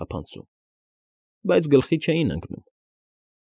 Թափանցում։ Բայց գլխի չէին ընկնում։